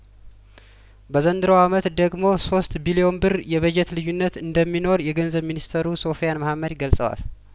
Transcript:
በዘንድሮው አመት ደግሞ ሶስት ቢሊዮን ብር የበጀት ልዩነት እንደሚኖር የገንዘብ ሚኒስተሩ ሶፍያን መሀመድ ገልጸዋል